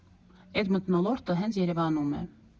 Էդ մթնոլորտը հենց Երևանում է։